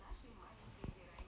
давай перейдем приставку sberbox